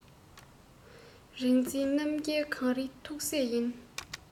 རིག འཛིན རྣམ རྒྱལ གངས རིའི ཐུགས སྲས ཡིན